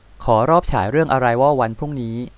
ขอรอบฉายเรื่องอะไรวอลวันพรุ่งนี้